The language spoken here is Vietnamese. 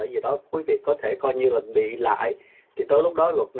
gì đó quý vị có thể coi như bị lại thì tới lúc đó luật